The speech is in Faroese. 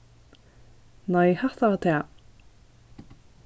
nei hatta var tað